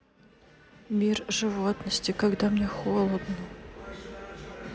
мир животности когда мне холодно